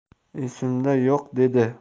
esimda yo'q dedi